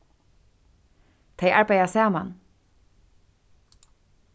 tey arbeiða saman